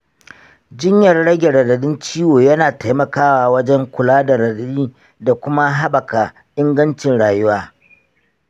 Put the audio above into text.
jinyar rage radadin ciwo yana taimakawa wajen kula da radadi da kuma habaka ingancin rayuwa.